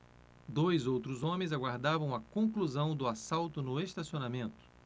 dois outros homens aguardavam a conclusão do assalto no estacionamento